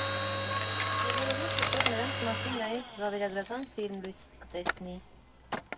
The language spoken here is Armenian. Բոլորովին շուտով նրանց մասին նաև վավերագրական ֆիլմ լույս կտեսնի։